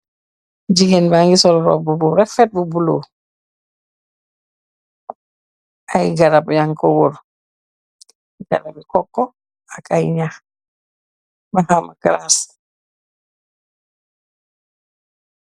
Jigeen ba ngi sol ropa bu refet bu bulo ay garab yankowur garabi koko ak ay nax baxama kras.